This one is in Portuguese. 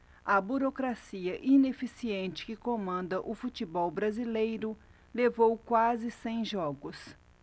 a burocracia ineficiente que comanda o futebol brasileiro levou quase cem jogos